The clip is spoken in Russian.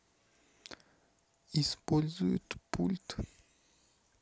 используйте пульт